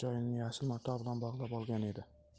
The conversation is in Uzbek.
joyini yashil mato bilan bog'lab olgan edi